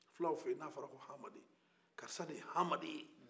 fulaw fɛ yen n'a fɔra ko hamadi karisa de ye hamadi ye